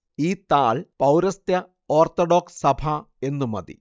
ഈ താൾ പൗരസ്ത്യ ഓർത്തഡോക്സ് സഭ എന്ന് മതി